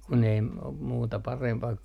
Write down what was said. kun ei - muuta -